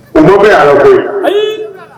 Mɔgɔ bɛ ala ko ye